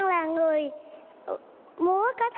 là người múa kết